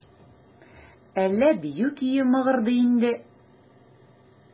Әллә бию көе мыгырдый инде?